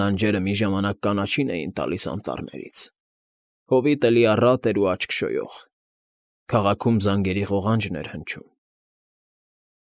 Լանջերը մի ժամանակ կանաչին էին տալիս անտառներից, հովիտը լիառատ էր ու աչք շոյող, քաղաքում զանգերի ղողանջն էր հնչում։